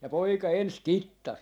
ja poika ensin kittasi